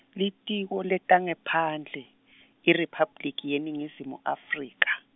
Litiko leTangaphandle, IRiphabliki yeNingizimu Afrika.